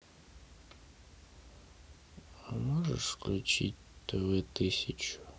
а можешь включить тв тысячу